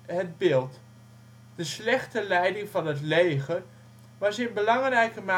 het beeld. De slechte leiding van het leger was in belangrijke